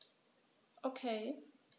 Okay.